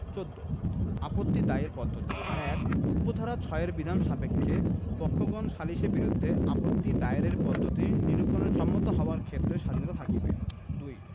১৪ আপত্তি দায়ের পদ্ধতিঃ ১ উপ ধারা ৬ এর বিধান সাপেক্ষে পক্ষগণ সালিসের বিরুদ্ধে আপত্তি দায়েরের পদ্ধতি নিরুপণের সম্মত হওয়ার ক্ষেত্রে স্বাধীনতা থাকিবে ২